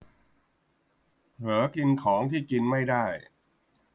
เผลอกินของที่กินไม่ได้